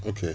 ok